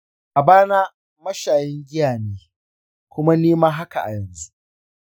babana mashayin giya ne kuma nima haka a yanzu.